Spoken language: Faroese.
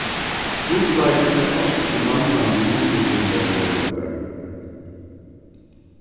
trupulleikin er als ikki manglandi útbúgvingarmøguleikar